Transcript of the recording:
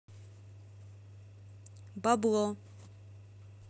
бабло